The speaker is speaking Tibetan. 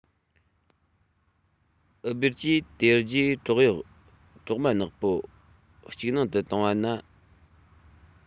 ཨུ སྦེར གྱིས དེ རྗེས གྲོག གཡོག གྲོག མ ནག པོ ཅིག ནང དུ བཏང བ ན